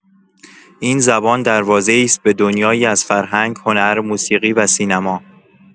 این زبان دروازه‌ای است به دنیایی از فرهنگ، هنر، موسیقی و سینما.